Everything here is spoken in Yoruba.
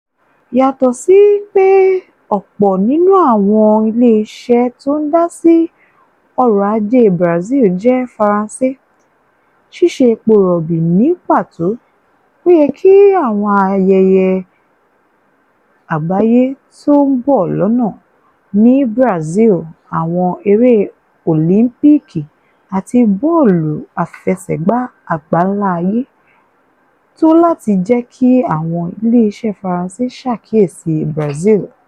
Yàtọ̀ sí pé ọ̀pọ̀ nínú àwọn ileeṣẹ tó ń dásí ọrọ̀ ajé Brazil jẹ́ Faransé (Ṣíse epo rọ̀bì ní pàtó),ó yẹ kí àwọn ayẹyẹ àgbáyé tó ń bọ̀ lọ́nà ní Brazil (Àwọn eré Òlímpìkì àti Bọ́ọ̀lù Àfẹsẹ̀gbá Àgbánlá ayé) tó láti jẹ́ kí àwọn iléeṣẹ́ Faransé ṣàkíyèsí Brazil.